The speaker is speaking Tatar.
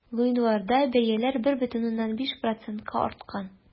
Гыйнварда бәяләр 1,5 процентка арткан.